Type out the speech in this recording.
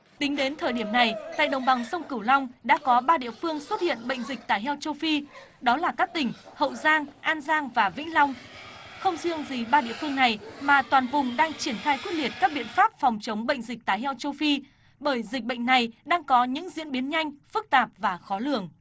tính đến thời điểm này tại đồng bằng sông cửu long đã có ba địa phương xuất hiện bệnh dịch tả heo châu phi đó là các tỉnh hậu giang an giang và vĩnh long không riêng gì ba địa phương này mà toàn vùng đang triển khai quyết liệt các biện pháp phòng chống bệnh dịch tả heo châu phi bởi dịch bệnh này đang có những diễn biến nhanh phức tạp và khó lường